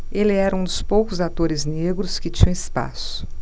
ele era um dos poucos atores negros que tinham espaço